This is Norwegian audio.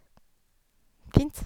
Fint.